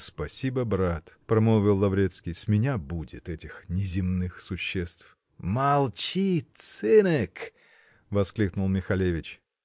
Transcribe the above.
-- Спасибо, брат, -- промолвил Лаврецкий, -- с меня будет этих неземных существ. -- Молчи, цынык! -- воскликнул Михалевич.